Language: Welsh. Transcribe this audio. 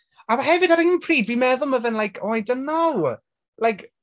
A hefyd ar un pryd, fi'n meddwl ma fe'n like... Oh I don't know! Like...